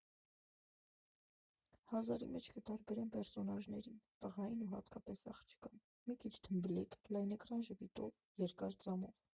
Հազարի մեջ կտարբերեմ պերսոնաժներին՝ տղային ու հատկապես աղջկան՝ մի քիչ թմբլիկ, լայնէկրան ժպիտով, երկար ծամով։